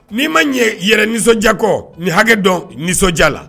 N'i ma ɲɛ yɛrɛ nisɔndiya kɔ nin hakɛ dɔn nisɔndiya la